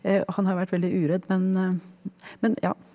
og han har jo vært veldig uredd men men ja.